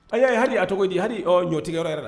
A y'a ye hali a cogo di hali ɲɔtigiyɔrɔ yɔrɔ yɛrɛ la